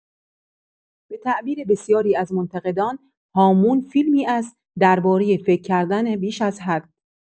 به تعبیر بسیاری از منتقدان، «هامون» فیلمی است دربارۀ فکر کردن بیش از حد.